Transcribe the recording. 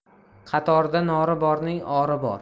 qatorda nori borning ori bor